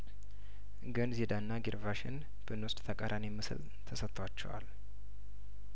ግን ዚዳንና ጊር ቫ ሽንብን ወስድ ተቃራኒ ምስል ተሰጥቷቸዋል